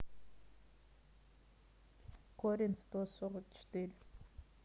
корень сто сорок четыре